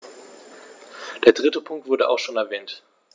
Der dritte Punkt wurde auch schon erwähnt.